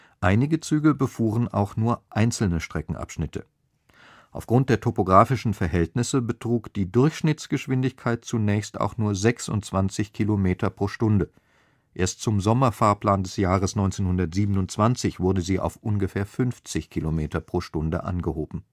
Einige Züge befuhren auch nur einzelne Streckenabschnitte. Aufgrund der topografischen Verhältnisse betrug die Durchschnittsgeschwindigkeit zunächst auch nur 26 Kilometer pro Stunde. Erst zum Sommerfahrplan des Jahres 1927 wurde sie auf ungefähr 50 Kilometer pro Stunde angehoben